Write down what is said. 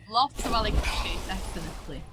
Lot o falu cachu definitely.